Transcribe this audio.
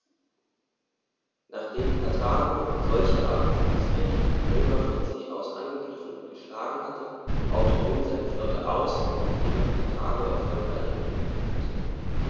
Nachdem Karthago, solcherart provoziert, die Römer von See aus angegriffen und geschlagen hatte, baute Rom seine Flotte aus, um der Seemacht Karthago erfolgreich entgegentreten zu können.